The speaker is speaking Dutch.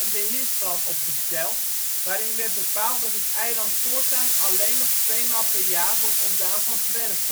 beheersplan opgesteld, waarin werd bepaald dat het eiland voortaan alleen nog tweemaal per jaar wordt ontdaan van zwerfvuil